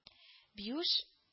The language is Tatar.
– биюш